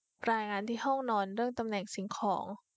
รายงานที่ห้องนอนเรื่องตำแหน่งสิ่งของ